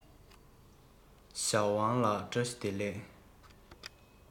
ཞའོ ཝང ལགས བཀྲ ཤིས བདེ ལེགས